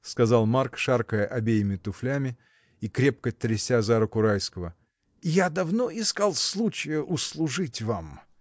— сказал Марк, шаркая обеими туфлями и крепко тряся за руку Райского, — я давно искал случая услужить вам.